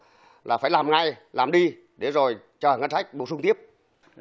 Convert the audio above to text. là phải làm ngay làm đi để rồi chờ ngân sách bổ sung tiếp